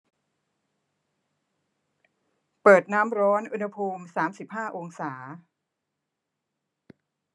เปิดน้ำร้อนอุณหภูมิสามสิบห้าองศา